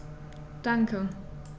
Danke.